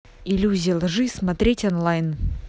иллюзия лжи смотреть онлайн